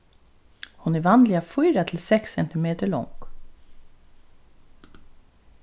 hon er vanliga fýra til seks cm long